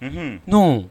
Numu